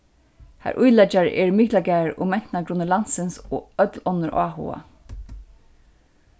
har íleggjarar eru miklagarður og mentanargrunnur landsins og øll onnur áhugað